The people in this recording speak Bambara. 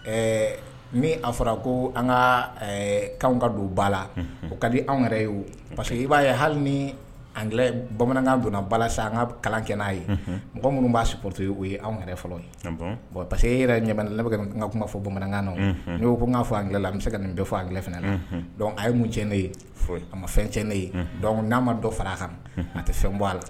Ɛɛ min a fɔra ko an ka kan ka don ba la o ka di anw yɛrɛ ye o parce que i b'a ye hali ni bamanankan donna bala sa an ka kalan kɛ n'a ye mɔgɔ minnu b'a sito yen o ye anw yɛrɛ fɔlɔ ye bɔn parce que e yɛrɛ ɲa labɛnkɛ min ka tun'a fɔ bamanankan nɔ n'o ko n'a fɔ anla an bɛ se ka nin bɛ' an gɛlɛn a ye mun cɛn ne ye a ma fɛn ti ne ye n'an ma dɔ fara kan a tɛ fɛn bɔ a la